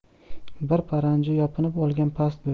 biri paranji yopinib olgan past bo'yli